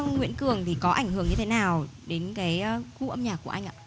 nguyễn cường thì có ảnh hưởng như thế nào đến cái gu âm nhạc của anh ạ